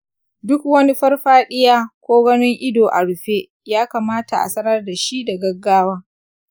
duk wani farfaɗiya ko ganin ido a ruɗe ya kamata a sanar da shi da gaggawa.